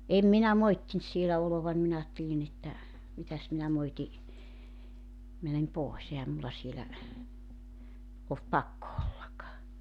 en minä moittinut siellä oloani minä ajattelin että mitäs minä moitin menen pois eihän minulla siellä ollut pakko olla